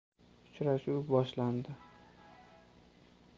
uchrashuv boshlandi